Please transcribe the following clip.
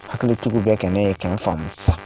Hakilitigiw bɛ kɛnɛ ye tiɲɛ faamu sa